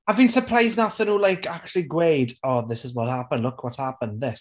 A fi'n surprised wnaethon nhw like, acshyli gweud "oh, this is what happened. Look what's happened, this".